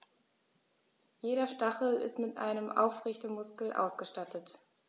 Jeder Stachel ist mit einem Aufrichtemuskel ausgestattet.